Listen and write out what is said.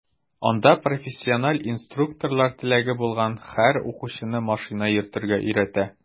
Анда профессиональ инструкторлар теләге булган һәр укучыны машина йөртергә өйрәтә.